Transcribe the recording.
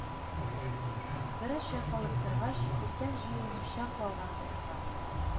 Бераз чайкалып торгач, иртән җыелмыйча калган урынга